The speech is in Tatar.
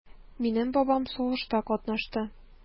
Минем бабам сугышта катнашты.